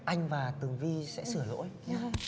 anh và tường vy sẽ sửa lỗi nhá